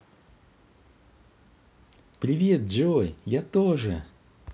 привет джой я тоже